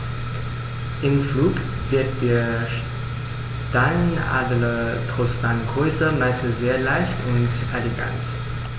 Im Flug wirkt der Steinadler trotz seiner Größe meist sehr leicht und elegant.